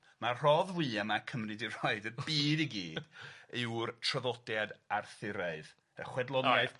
Ma'r rhodd fwya ma' Cymru 'di rhoid i'r byd i gyd yw'r traddodiad Arthuraidd, y chwedloniaeth... O ia? Oce.